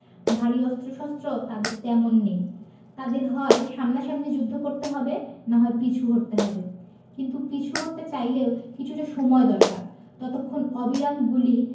ভারী অস্ত্রশস্ত্র তাঁদের তেমন নেই তাঁদের হয় সামনাসামনি যুদ্ধ করতে হবে না হয় পিছু হটতে হবে কিন্তু পিছু হটতে চাইলেও কিছুটা সময় দরকার ততক্ষণ অবিরাম গুলি